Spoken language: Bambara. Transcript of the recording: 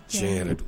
Cɛ yɛrɛ